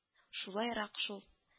Шулайрак шул